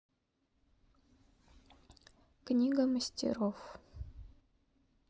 книга мастеров